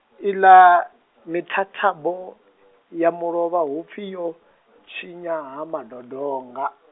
i ḽa, mithathabo, ya mulovha hupfi yo, tshinya Ha Madodonga.